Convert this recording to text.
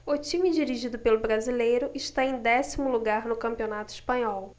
o time dirigido pelo brasileiro está em décimo lugar no campeonato espanhol